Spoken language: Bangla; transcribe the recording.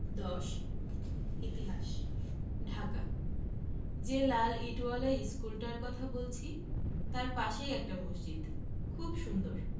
১০ ইতিহাস ঢাকা যে লাল ইটোয়ালা ইশকুলটার কথা বলছি তাই পাশেই একটা মসজিদ খুব সুন্দর